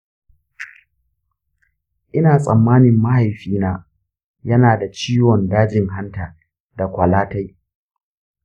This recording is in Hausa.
ina tsammanin mahaifina ya na da ciwon dajin hanta da ƙwalatai